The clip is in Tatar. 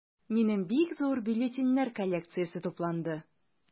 Минем бик зур бюллетеньнәр коллекциясе тупланды.